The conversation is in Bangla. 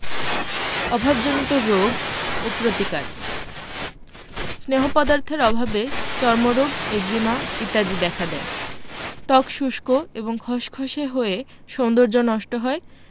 অভাবজনিত রোগ ও প্রতিকার স্নেহ পদার্থের অভাবে চর্মরোগ একজিমা ইত্যাদি দেখা দেয় ত্বক শুষ্ক এবং খসখসে হয়ে সৌন্দর্য নষ্ট হয়